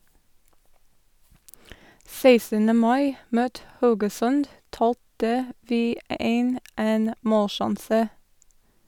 16. mai mot Haugesund talte vi 1 - én - målsjanse.